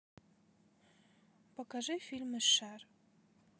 покажи фильмы с шер